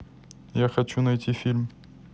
я хочу найти фильм